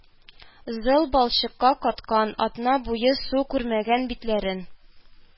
Зыл балчыкка каткан, атна буе су күрмәгән битләрен